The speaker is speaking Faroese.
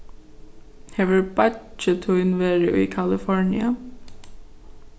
hevur beiggi tín verið í kalifornia